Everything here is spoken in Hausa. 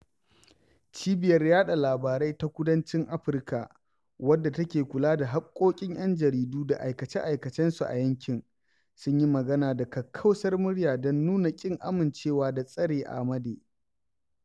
Cibiyar Yaɗa Labarai ta Kudancin Afirka, wadda take kula da haƙƙoƙin 'yan jaridu da aikace-aikacensu a yankin, sun yi magana da kakkausar murya don nuna ƙin amincewa da tsare Amade: